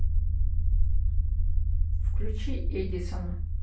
включи эдисона